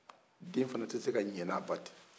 den fana tɛ se ka ɲɛ na ba tɛ